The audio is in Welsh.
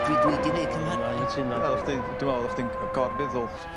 .dwi dwi 'di neud cymhariaeth... Dwi'n anghttuno 'lly. Wel chdi dwi'n meddw' bo' chdi'n yy gorfeddwl.